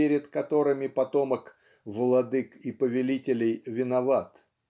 перед которыми потомок "владык и повелителей" виноват.